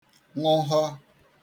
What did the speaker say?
nụhọ